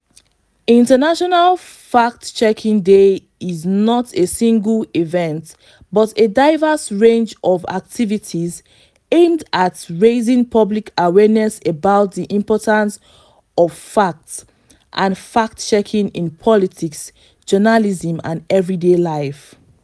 International Fact-Checking Day is not a single event, but a diverse range of activities aimed at raising public awareness about the importance of facts — and fact-checking — in politics, journalism, and everyday life.